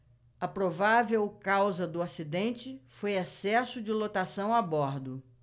a provável causa do acidente foi excesso de lotação a bordo